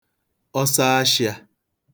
ọsọashịā